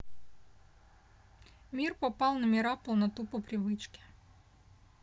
мир попал номера полноту по привычке